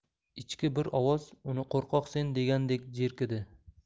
ichki bir ovoz uni qo'rqoqsen degandek jerkidi